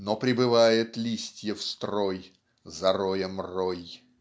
Но прибывает листьев строй За роем рой.